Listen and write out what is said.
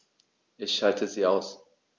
Ich schalte sie aus.